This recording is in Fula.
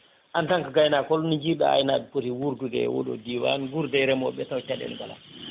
en tant que gaynako holno jiiɗa aynaɓe pooti wuurdude e oɗo diwan guurda e remoɓeɓe taw caɗele ngala